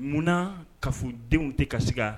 Munna ka fɔdenw tɛ ka sigi